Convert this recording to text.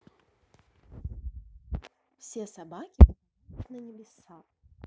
все собаки попадают на небеса